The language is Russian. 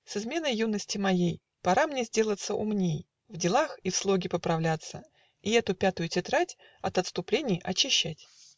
С изменой юности моей Пора мне сделаться умней, В делах и в слоге поправляться, И эту пятую тетрадь От отступлений очищать.